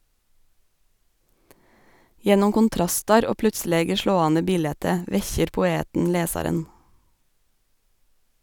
Gjennom kontrastar og plutselege slåande bilete vekkjer poeten lesaren.